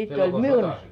silloin kun sota syttyi